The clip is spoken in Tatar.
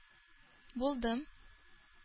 Булдым